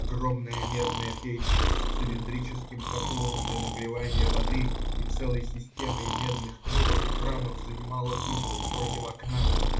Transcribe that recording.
Огромная медная печь с цилиндрическим котлом для нагревания воды и целой системой медных трубок и кранов занимала угол против окна